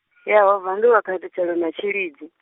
Yehova ndi wa khathutshelo na tshilidzi.